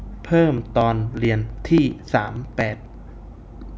เพิ่มตอนเรียนที่สามแปด